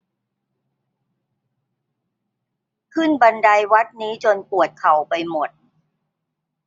ขึ้นบันไดวัดนี้จนปวดเข่าไปหมด